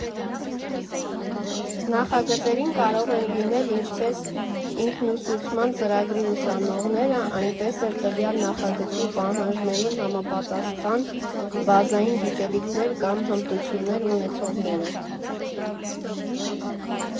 Նախագծերին կարող են դիմել ինչպես ինքնուսուցման ծրագրի ուսանողները, այնպես էլ տվյալ նախագծի պահանջներին համապատասխան բազային գիտելիքներ կամ հմտություններ ունեցողները։